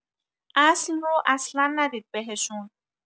اصل رو اصلا ندید بهشون